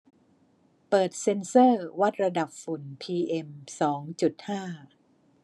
เปิดเซ็นเซอร์วัดระดับฝุ่นพีเอ็มสองจุดห้า